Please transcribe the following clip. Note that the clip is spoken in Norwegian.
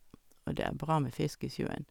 Og det er bra med fisk i sjøen.